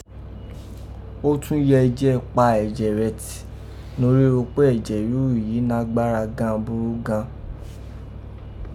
Ó tọ́n yẹ jí pa ẹ̀jẹ̀ rẹ tì, norígho pé ẹ̀jẹ̀ ríru yìí nágbára gan an burú gan.